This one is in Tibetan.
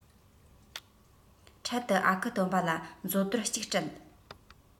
འཕྲལ དུ ཨ ཁུ སྟོན པ ལ མཛོ དོར གཅིག སྤྲད